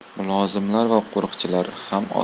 mulozimlar va qo'rchilar ham